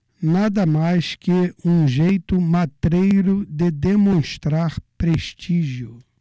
nada mais que um jeito matreiro de demonstrar prestígio